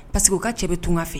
Parce que u ka cɛ bɛ tunga fɛ